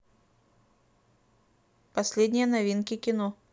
последние новинки кино